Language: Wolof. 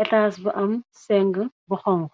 etaas bu am seng bu xonk